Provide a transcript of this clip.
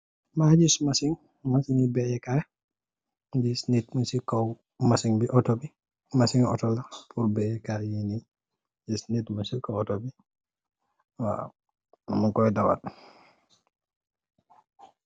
Amb warrou waye wouye baye laa